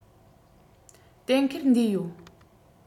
གཏན འཁེལ འདུས ཡོད